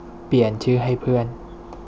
เปลี่ยนชื่อให้เพื่อน